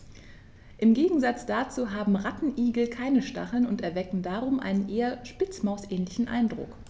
Im Gegensatz dazu haben Rattenigel keine Stacheln und erwecken darum einen eher Spitzmaus-ähnlichen Eindruck.